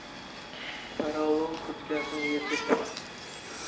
paralon kurtkasini yechib